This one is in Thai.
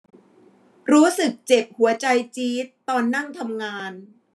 รู้สึกเจ็บหัวใจจี๊ดตอนนั่งทำงาน